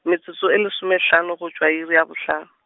metsotso e lesomehlano go tšwa iri ya bohlano.